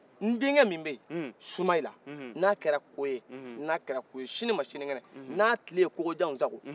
n denkɛ min bɛye soumayila na kɛra koye n'a kɛra koye sinin ma sinikɛnɛ n'a tile ye kokojanw sago